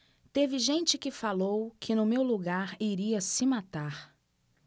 teve gente que falou que no meu lugar iria se matar